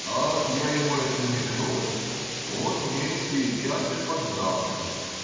Как я ему это намекнул, он мне сейчас и поддакнул.